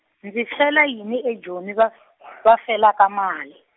ndzi fela yini eJoni va , va felaka mali.